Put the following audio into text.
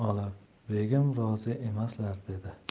olib begim rozi emaslar dedi